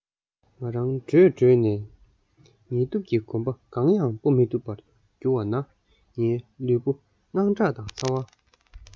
ང རང བྲོས བྲོས ནས ངལ དུབ ཀྱིས གོམ པ གང ཡང སྤོ མི ཐུབ པར གྱུར བ ན ངའི ལུས པོ དངངས སྐྲག དང ཚ བ